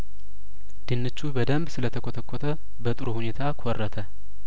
ድንቹ በደንብ ስለተኰተኰተ በጥሩ ሁኔታ ኰረተ